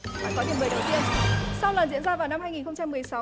bạn có điểm mười đầu tiên sau lần diễn ra vào năm hai nghìn không trăm mười sáu